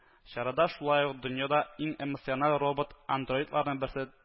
Чарада шулай ук, дөньяда иң эмоциональ робот-андроидларның берсе